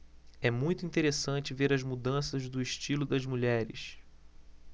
é muito interessante ver as mudanças do estilo das mulheres